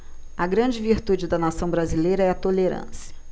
a grande virtude da nação brasileira é a tolerância